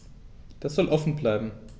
Das soll offen bleiben.